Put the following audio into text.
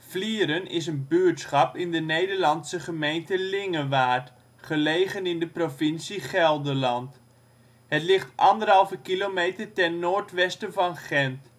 Flieren is een buurtschap in de Nederlandse gemeente Lingewaard, gelegen in de provincie Gelderland. Het ligt 1,5 kilometer ten noordwesten van Gendt